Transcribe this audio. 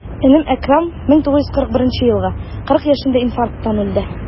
Энем Әкрам, 1941 елгы, 40 яшендә инфаркттан үлде.